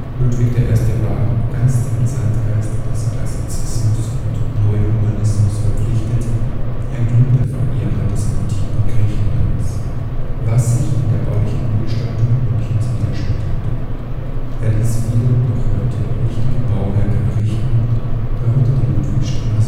Ludwig I. war – ganz dem Zeitgeist des Klassizismus und Neuhumanismus verpflichtet – ein glühender Verehrer des antiken Griechenlands (Philhellenismus), was sich in der baulichen Umgestaltung Münchens widerspiegelt. Er ließ viele noch heute wichtige Bauwerke errichten, darunter die Ludwigstraße